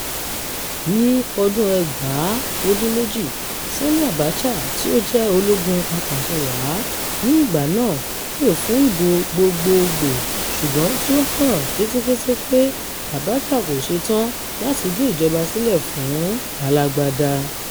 Ní ọdún 1998, Sani Abacha, tí ó jẹ́ ológun apàṣẹwàá ní ìgbà náà, pè fún ìbò gbogboògbò ṣùgbọ́n tí ó hàn ketekete pé Abacha kò ṣetán láti gbé ìjọba sílẹ̀ fún alágbádá.